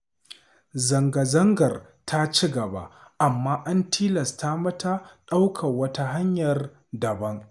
Zanga-zangar ta ci gaba amma an tilasta mata ɗaukan wata hanya daban.